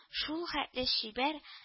Шулхәтле чибәр